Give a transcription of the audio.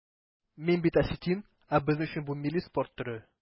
Мин бит осетин, ә безнең өчен бу милли спорт төре.